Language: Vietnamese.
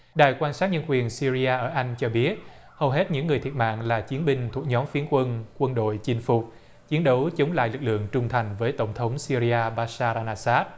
đài quan sát nhân quyền xia ri a ở anh cho biết hầu hết những người thiệt mạng là chiến binh thuộc nhóm phiến quân quân đội chinh phục chiến đấu chống lại lực lượng trung thành với tổng thống xia ri a ba sa đa na sáp